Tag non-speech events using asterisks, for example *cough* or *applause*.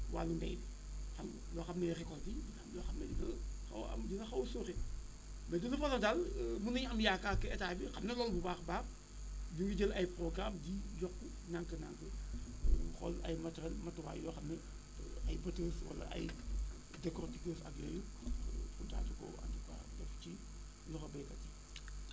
wàllu mbéy mi xam nga loo xam ne récoltes yi am yoo xam ne dina xaw a am dina xaw a sooxe mais de toute façon daal *hesitation* mën nañu am yaakaar que état bi xam na loolu bu baax a baax ñu ngi jël ay programmes di jox ndànk-ndànk *hesitation* xool ay matériels matuwaay yoo xam ne *hesitation* ay batteuses wala ay decortiqueses ak yooyu ñu daal di koo en tout cas teg ci loxo béykat yi